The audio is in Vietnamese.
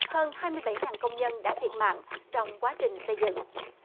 hơn hai mươi bảy ngàn công nhân đã thiệt mạng trong quá trình xây dựng